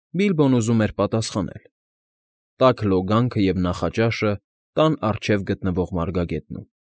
Բիլբոն ուզում էր պատասխանել. «Տաք լոգանքը և նախաճաշը տան առջև գտնվող մարգագետնում»։